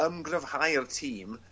ymgryfhau â'r tîm